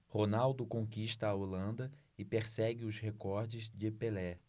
ronaldo conquista a holanda e persegue os recordes de pelé